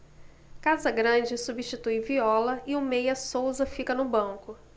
casagrande substitui viola e o meia souza fica no banco